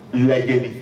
Sirajɛ